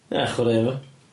Na, chwaraea fo.